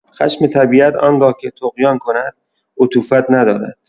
خشم طبیعت آنگاه که طغیان کند، عطوفت ندارد.